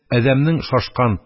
Адәмнең шашкан,